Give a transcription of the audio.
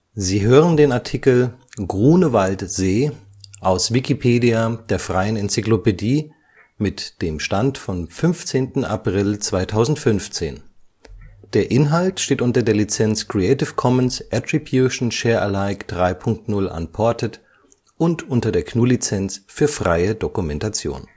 Sie hören den Artikel Grunewaldsee, aus Wikipedia, der freien Enzyklopädie. Mit dem Stand vom Der Inhalt steht unter der Lizenz Creative Commons Attribution Share Alike 3 Punkt 0 Unported und unter der GNU Lizenz für freie Dokumentation